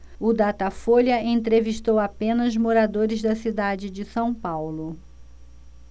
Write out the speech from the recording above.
o datafolha entrevistou apenas moradores da cidade de são paulo